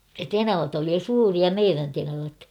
tenavat oli jo suuria meidän tenavat